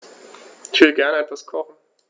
Ich will gerne etwas kochen.